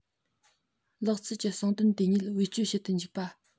ལག རྩལ གྱི གསང དོན དེ ཉིད བེད སྤྱོད བྱེད དུ བཅུག པ